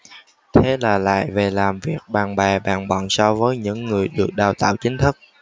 thế là lại về làm việc bằng bè bằng bạn so với những người được đào tạo chính thức